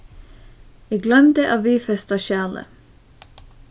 eg gloymdi at viðfesta skjalið